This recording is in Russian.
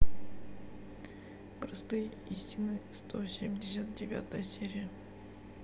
простые истины сто семьдесят девятая серия